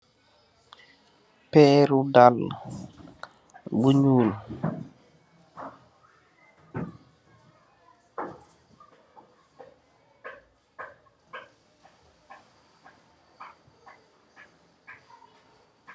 Peeru daalle bu nyuul